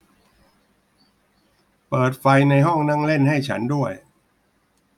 เปิดไฟในห้องนั่งเล่นให้ฉันด้วย